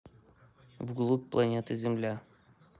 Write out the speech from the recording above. вглубь планеты земля